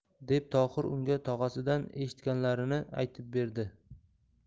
deb tohir unga tog'asidan eshitganlarini aytib berdi